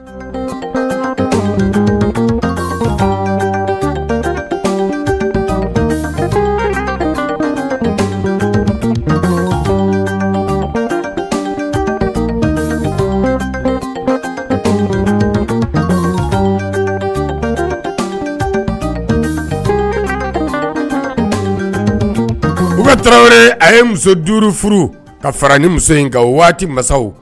U bɛ tarawelew ye a ye muso duuru furu ka fara ni muso in nka waati masaw